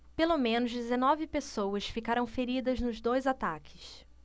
pelo menos dezenove pessoas ficaram feridas nos dois ataques